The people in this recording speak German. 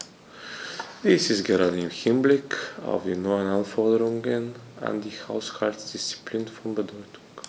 Dies ist gerade im Hinblick auf die neuen Anforderungen an die Haushaltsdisziplin von Bedeutung.